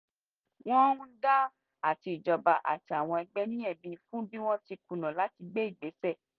Wọ́n ń dá àti ìjọba àti àwọn àgbẹ̀ ní ẹ̀bi fún bí wọ́n ti ṣe kùnà láti gbé ìgbésẹ̀.